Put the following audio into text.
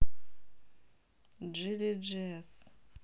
джили джи эс